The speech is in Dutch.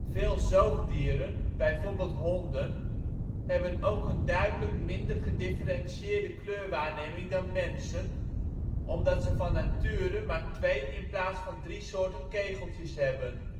Veel zoogdieren (b.v. honden) hebben ook een duidelijk minder gedifferentieerde kleurwaarneming dan mensen, omdat ze van nature maar twee in plaats van drie soorten kegeltjes hebben